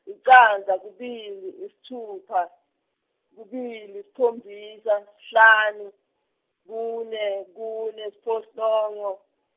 licandza, kubili isithupha, kubili sikhombisa sihlanu, kune kune siphohlongo.